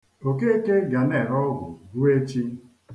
Okeke ga na-ere ọgwụ rue echi.